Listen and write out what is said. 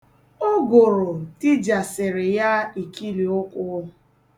Ụgụrụ tijasịrị ya ikiliụkwụ.